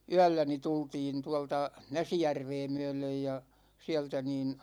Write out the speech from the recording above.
yöllä niin tultiin tuolta Näsijärveä myöden ja sieltä niin